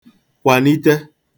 kwànite